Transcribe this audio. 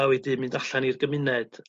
a wedyn mynd allan i'r gymuned